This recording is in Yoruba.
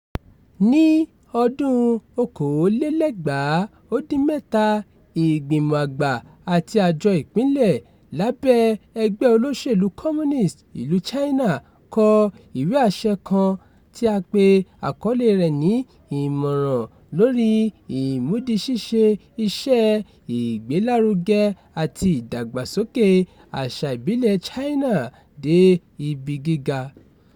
Ní ọdún 2017, ìgbìmọ̀ àgbà àti àjọ ìpínlẹ̀ lábẹ́ ẹgbẹ́ olóṣèlú Communist ìlú China kọ ìwé àṣẹ kan tí a pe àkọlée rẹ̀ ní "Ìmọ̀ràn lórí imúdiṣíṣẹ iṣẹ́ ìgbélárugẹ àti ìdàgbà àṣà ìbílẹ̀ China dé ibi gíga".